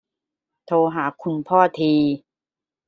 โทรหาคุณพ่อที